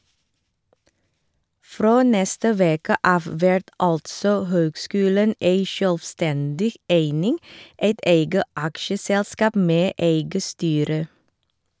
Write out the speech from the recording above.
Frå neste veke av vert altså høgskulen ei sjølvstendig eining, eit eige aksjeselskap med eige styre.